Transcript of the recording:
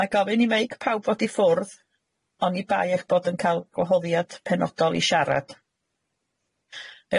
Mae gofyn i meic pawb fod i ffwrdd oni bai eich bod yn ca'l gwahoddiad penodol i sharad.